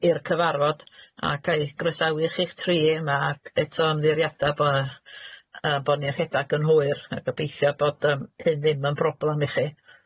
i'r cyfarfod, a ga i groesawu chi'ch tri yma, ac eto ymddiheuriada bo' yy yy bo' ni'n rhedag yn hwyr, a gobeithio bod yym hyn ddim yn broblam i chi.